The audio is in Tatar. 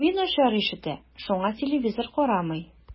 Әби начар ишетә, шуңа телевизор карамый.